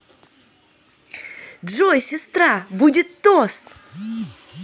джой сестра будет тост